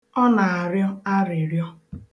Ọ na-arịọ arịrịọ